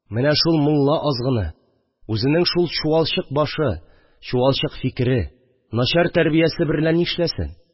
Менә шул мулла азгыны үзенең шул чуалчык башы, чуалчык фикере, начар тәрбиасе берлә нишләсен